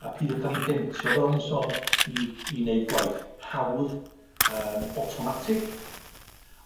A pidio ca'l 'i demtio, fel o'n i'n sôn, i i neud gwaith hawdd yym awtomatic.